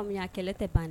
Ami a kɛlɛ tɛ ban